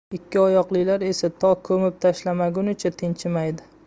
ikki oyoqlilar esa to ko'mib tashlamagunicha tinchimaydi